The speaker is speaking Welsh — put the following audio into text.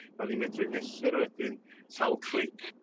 O'n i medru mesur wedyn sawl clic